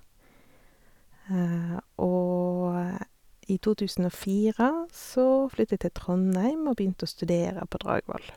Og i to tusen og fire så flytta jeg til Trondheim og begynte å studere på Dragvoll.